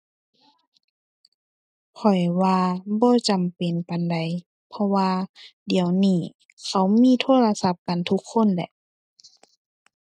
ข้อยว่าบ่จำเป็นปานใด เพราะว่าเดี๋ยวนี้เขามีโทรศัพท์กันทุกคนแหละ